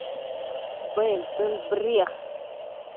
belle толь брех